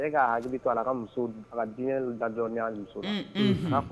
Ne k kaa to a ala ka muso a d dadɔnya so